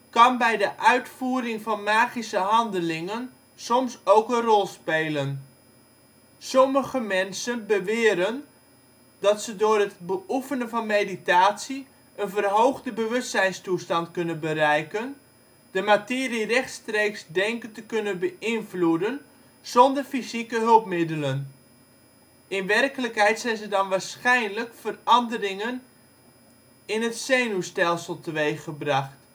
kan bij de uitvoering van magische handelingen soms ook een rol spelen. Sommige mensen beweren dat ze door het beoefenen van meditatie een verhoogde bewustzijnstoestand kunnen bereiken, de materie rechtstreeks denken te kunnen beïnvloeden zonder fysieke hulpmiddelen. In werkelijkheid zijn er dan waarschijnlijk veranderingen in het zenuwstelsel teweeggebracht